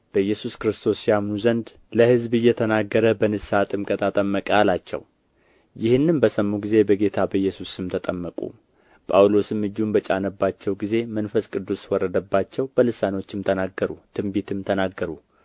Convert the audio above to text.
በኢየሱስ ክርስቶስ ያምኑ ዘንድ ለሕዝብ እየተናገረ በንስሐ ጥምቀት አጠመቀ አላቸው ይህንም በሰሙ ጊዜ በጌታ በኢየሱስ ስም ተጠመቁ ጳውሎስም እጁን በጫነባቸው ጊዜ መንፈስ ቅዱስ ወረደባቸው በልሳኖችም ተናገሩ ትንቢትም ተናገሩ